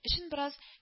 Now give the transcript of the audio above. Эшен бераз